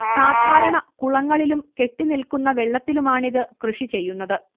സാധാരണ കുളങ്ങളിലും കെട്ടിനിൽക്കുന്ന വെള്ളത്തിലുമാണിത് കൃഷി ചെയ്യുന്നത്